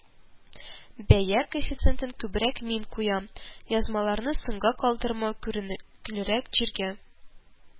Бәя коэффициентын күбрәк мин куям, язмаларны соңга калдырмау, күренеклерәк җиргә